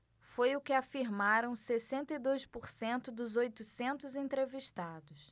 foi o que afirmaram sessenta e dois por cento dos oitocentos entrevistados